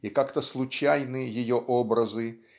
и как-то случайны ее образы